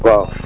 waaw